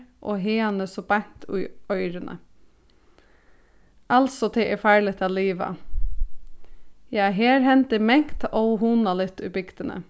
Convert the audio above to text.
og haðani so beint í oyruni altso tað er farligt at liva ja her hendir mangt óhugnaligt í bygdini